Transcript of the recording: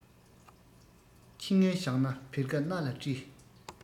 ཁྱི ངན བྱང ན བེར ཀ སྣ ལ བཀྲི